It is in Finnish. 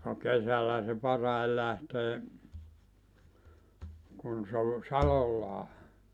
no kesällähän se parhaiten lähtee kun se on salolla